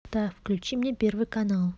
так включи мне первый канал